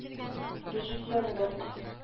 Режиссерлык